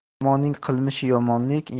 yomonning qilmishi yomonlik